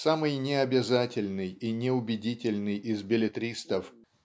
*** Самый необязательный и неубедительный из беллетристов